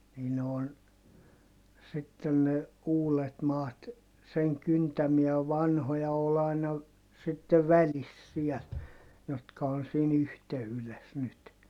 niin ne on sitten ne uudet maat sen kyntämiä vanhoja oli aina sitten välissä siellä jotka on siinä yhteydessä nyt